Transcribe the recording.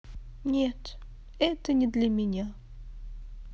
нет это не для меня